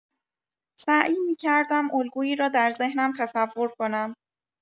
سعی می‌کردم الگویی را در ذهنم تصور کنم.